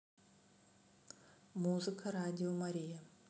музыка радио мария